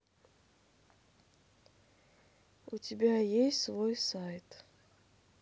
у тебя есть свой сайт